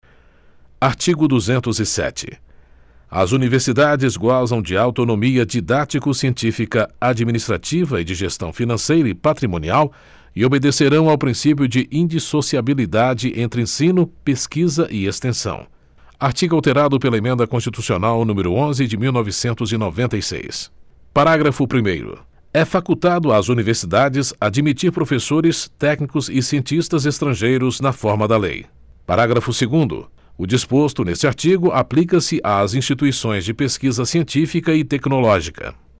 artigo duzentos e sete as universidades gozam de autonomia didático científica administrativa e de gestão financeira e patrimonial e obedecerão ao princípio de indissociabilidade entre ensino pesquisa e extensão artigo alterado pela emenda constitucional número onze de mil novecentos e noventa e seis parágrafo primeiro é facultado às universidades admitir professores técnicos e cientistas estrangeiros na forma da lei parágrafo segundo o disposto neste artigo aplica se às instituições de pesquisa científica e tecnológica